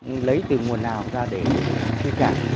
lấy từ nguồn nào ra để chi trả